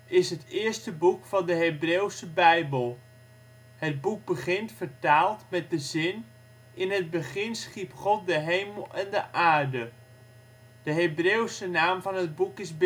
is het eerste boek van de Hebreeuwse Bijbel. Het boek begint (vertaald) met de zin: " In het begin schiep God de hemel en de aarde ". De Hebreeuwse naam van het boek is